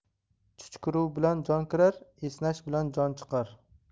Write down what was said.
chuchkuruv bilan jon kirar esnash bilan jon chiqar